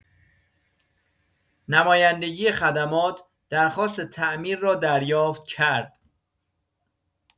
نمایندگی خدمات درخواست تعمیر را دریافت کرد.